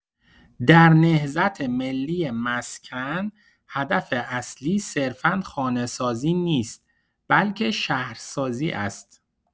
در نهضت ملی مسکن هدف اصلی صرفا خانه‌سازی نیست بلکه شهرسازی است.